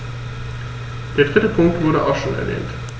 Der dritte Punkt wurde auch schon erwähnt.